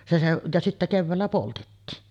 se se ja sitten keväällä poltettiin